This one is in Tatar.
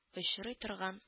Очрый торган